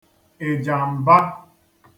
ị̀jàmba